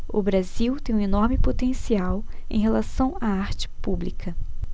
o brasil tem um enorme potencial em relação à arte pública